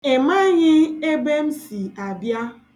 Ị maghị ebe m si abịa.